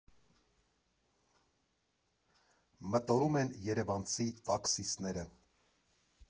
Մտորում են երևանցի տաքսիստները։